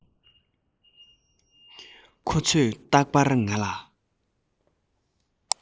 ཁོ ཚོས རྟག པར ང ལ